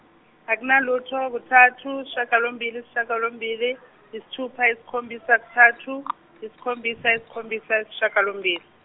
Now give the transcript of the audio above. akunalutho kuthathu isishagalombili isishagalombili yisithupha yisikhombisa kuthathu yisikhombisa yisikhombisa isishagalombili.